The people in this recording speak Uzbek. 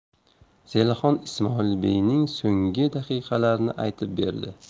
zelixon ismoilbeyning so'nggi daqiqalarini aytib berdi